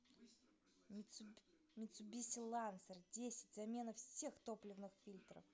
митсубиси лансер десять замена всех топливных фильтров